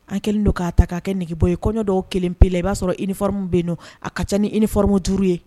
An kɛlen don k'a ta k'a kɛ nɛgɛge bɔ ye kɔɲɔ dɔw kelen pe la i b'a sɔrɔ i nifɔɔrɔ bɛ n don a ka ca ni ni forom duuruuru ye